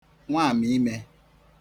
nwamịime